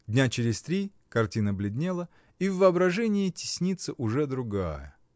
Дня через три картина бледнела, и в воображении теснится уже другая.